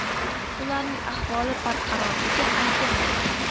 ularning ahvoli barqarorligi aytilmoqda